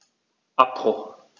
Abbruch.